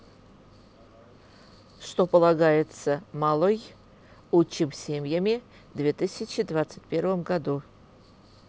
что полагается малой учим семьями две тысячи двадцать первом году